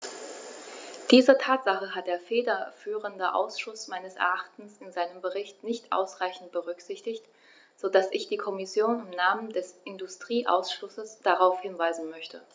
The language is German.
Diese Tatsache hat der federführende Ausschuss meines Erachtens in seinem Bericht nicht ausreichend berücksichtigt, so dass ich die Kommission im Namen des Industrieausschusses darauf hinweisen möchte.